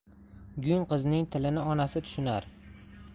gung qizning tilini onasi tushunar